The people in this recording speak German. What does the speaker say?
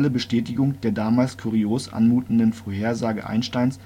Bestätigung der damals kurios anmutenden Vorhersage Einsteins